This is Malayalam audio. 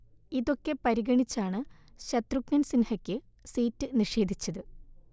ഇതൊക്കെ പരിഗണിച്ചാണ് ശത്രുഘ്നൻ സിൻഹയ്ക്ക് സീറ്റ് നിഷേധിച്ചത്